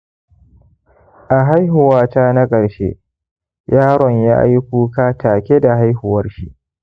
a haihuwata na karshe, yaron yayi kuka take da haihuwar shi.